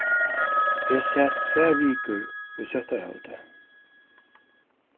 eg sat tvær vikur í sóttarhaldi